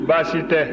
baasi tɛ